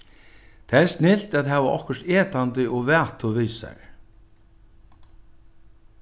tað er snilt at hava okkurt etandi og vætu við sær